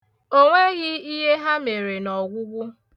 O nweghị ihe ha mere n'ọgwụgwụ.